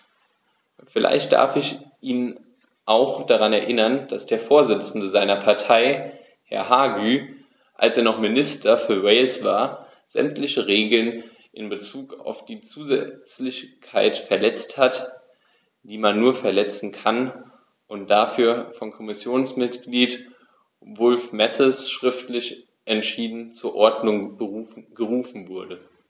Vielleicht darf ich ihn auch daran erinnern, dass der Vorsitzende seiner Partei, Herr Hague, als er noch Minister für Wales war, sämtliche Regeln in Bezug auf die Zusätzlichkeit verletzt hat, die man nur verletzen kann, und dafür von Kommissionsmitglied Wulf-Mathies schriftlich entschieden zur Ordnung gerufen wurde.